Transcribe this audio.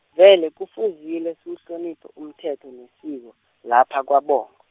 vele kufuzile siwuhloniphe umthetho nesiko, lapha kwaBong- .